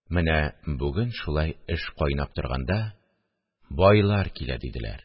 Менә бүген, шулай эш кайнап торганда: – Байлар килә! – диделәр